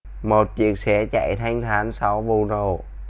một chiếc xe cháy thành than sau vụ nổ